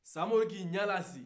samori y'a ɲɛ lasi